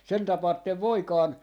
sen tapaatte Voikkaan